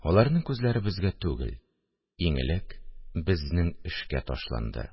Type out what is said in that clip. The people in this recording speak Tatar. Аларның күзләре безгә түгел, иң элек безнең эшкә ташланды